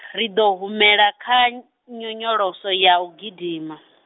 ri ḓo humela kha, nyonyoloso ya u gidima.